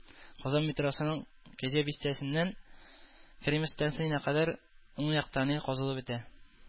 Казан метросының “Кәҗә бистәсе”ннән “Кремль” станциясенә кадәр уң як тоннель казылып бетә